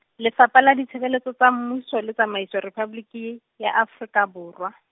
Lefapha la Ditshebeletso tsa Mmuso le Tsamaiso, Rephapoliki ya Afrika Borwa.